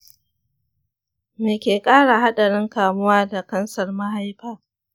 me ke ƙara haɗarin kamuwa da kansar mahaifa?